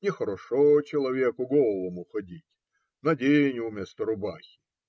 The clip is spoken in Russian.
Нехорошо человеку голому ходить; надень вместо рубахи.